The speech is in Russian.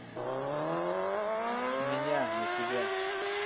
меня не тебя